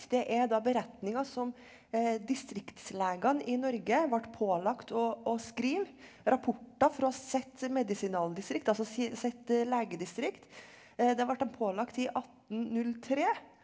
det er da beretninger som distriktslegene i Norge ble pålagt å å skrive rapporter fra sitt medisinaldistrikt altså sitt legedistrikt det ble dem pålagt i attennulltre.